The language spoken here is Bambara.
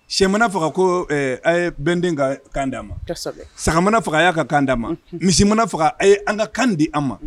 Sɛmana faga ko a ye bɛnden ka kan'a mamana faga a y'a ka kan di ma misi mana faga a ye an ka kan di an ma